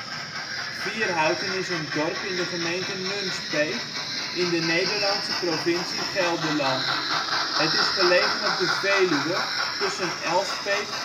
Vierhouten is een dorp in de gemeente Nunspeet, in de Nederlandse provincie Gelderland. Het is gelegen op de Veluwe, tussen Elspeet